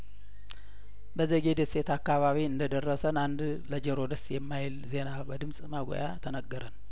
በዘጌ ደሴት አካባቢ እንደደረሰን አንድ ለጆሮ ደስ የማይል ዜና በድምጽ ማጉያተነገረን